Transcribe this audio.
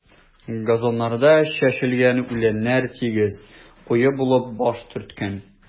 Газоннарда чәчелгән үләннәр тигез, куе булып баш төрткән.